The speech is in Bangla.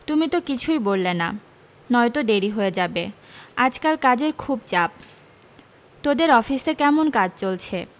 তুমি তো কিছুই বললে না নয়তো দেরি হয়ে যাবে আজকাল কাজের খুব চাপ তোদের অফিসে কেমন কাজ চলছে